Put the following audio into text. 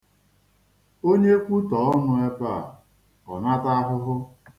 Onye kwutọọ ọnụ ebe a, ọ nata ahụhụ.